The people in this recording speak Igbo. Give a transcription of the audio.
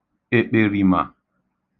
èkpèrìmà